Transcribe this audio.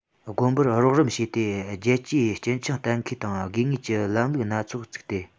དགོན པར རོགས རམ བྱས ཏེ རྒྱལ གཅེས སྤྱི འཆིང གཏན འཁེལ དང དགོས ངེས ཀྱི ལམ ལུགས སྣ ཚོགས བཙུགས ཏེ